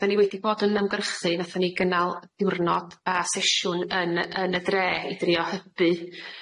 'da ni i wedi bod yn ymgyrchu nathon ni gynnal diwrnod a seshiwn yn yn y dre i drio hybu